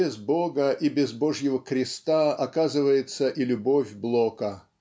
без Бога и без Божьего креста оказывается и любовь Блока